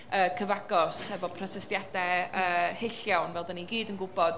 yy cyfagos, efo protestiadau hyll iawn, fel dan ni i gyd yn gwybod.